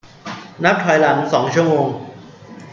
นับถอยหลังสองชั่วโมง